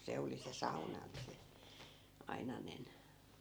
se oli se sauna niin se ainainen